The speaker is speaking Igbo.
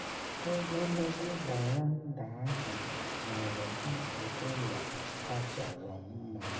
Ogologo veranda ahụ nwere mkpu ụlọ a chọrọ mma.